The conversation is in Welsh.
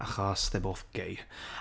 Achos, they're both gay.